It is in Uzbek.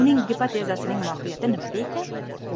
uning gipotezasining mohiyati nimada ekan